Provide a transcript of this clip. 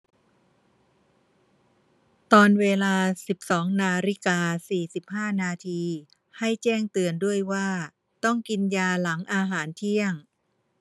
ตอนเวลาสิบสองนาฬิกาสี่สิบห้านาทีให้แจ้งเตือนด้วยว่าต้องกินยาหลังอาหารเที่ยง